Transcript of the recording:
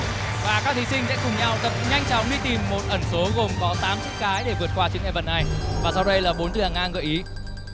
và các thí sinh sẽ cùng nhau thật nhanh chóng đi tìm một ẩn số gồm có tám chữ cái để vượt qua chướng ngại vật này và sau đây là bốn từ hàng ngang gợi ý